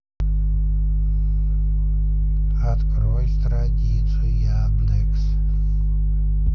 открой страницу яндекс